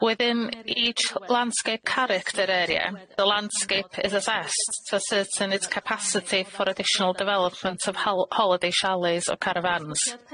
Within each landscape character area, the landscape is assessed to ascertain its capacity for additional development of ho- holiday chalets or caravans.